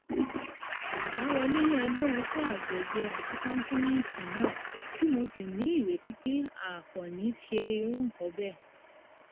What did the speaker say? ìdáwọ́lé yẹn léwu fún agbègbè àti kọ́ńtínẹ̀tì náà tí mo sì ní ìrètí pé a kò níí ṣe irú ǹkan bẹ́ẹ̀.